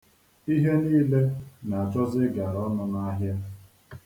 Ihe niile na-achọzi ịgara ọnụ n'ahịa.